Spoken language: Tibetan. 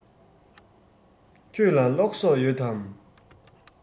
ཁྱོད ལ གློག བསོགས ཡོད དམ